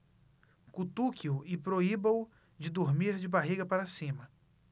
cutuque-o e proíba-o de dormir de barriga para cima